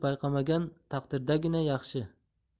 payqamagan taqdirdagina yaxshi